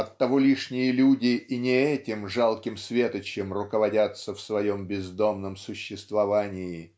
Оттого лишние люди и не этим жалким светочем руководятся в своем бездомном существовании.